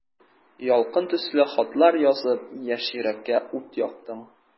Ялкын төсле хатлар язып, яшь йөрәккә ут яктың.